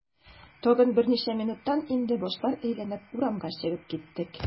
Тагын берничә минуттан инде башлар әйләнеп, урамга чыгып киттек.